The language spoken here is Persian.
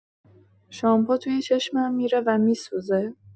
شامپو توی چشمم می‌ره و می‌سوزه.